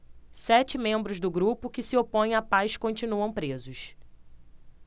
sete membros do grupo que se opõe à paz continuam presos